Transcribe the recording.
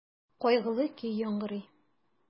Кайгылы көй яңгырый.